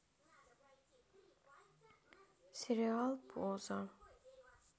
сериал поза